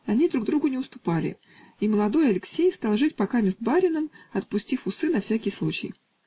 Они друг другу не уступали, и молодой Алексей стал жить покамест барином, отпустив усы на всякий случай.